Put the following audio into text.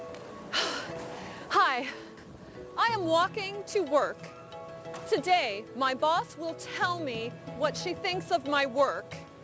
hơ hai ai am goắc kinh chu guốc chu đây mai bót gua theo mỉ gùa thinh tinh sớt mai gua